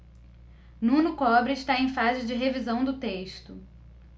nuno cobra está em fase de revisão do texto